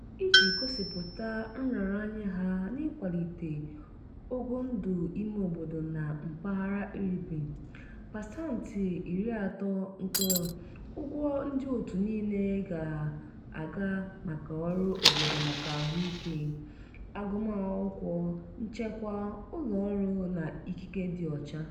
Iji gosịpụta nraranye ha n'ịkwalite ogo ndụ imeobodo na mpaghara "Tribe", 30% nke ụgwọ ndịòtù niile ga-aga maka ọrụ obodo maka ahụike, agụmakwụkwọ, nchekwa, ụlọọrụ na ikike dị ọcha.